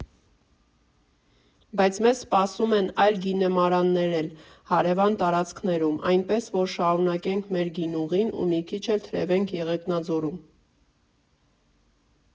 Բայց մեզ սպասում են այլ գինեմառաններ էլ հարևան տարածքներում, այնպես որ շարունակենք մեր գինուղին ու մի քիչ թրևենք Եղեգնաձորում։